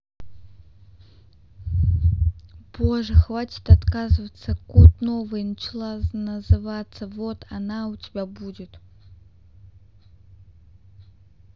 боже хватит отказываться cut новые начала называться вот она у тебя будет